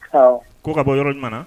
Ɔ ko ka bɔ yɔrɔɲuman